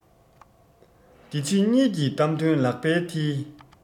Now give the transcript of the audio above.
འདི ཕྱི གཉིས ཀྱི གཏམ དོན ལག པའི མཐིལ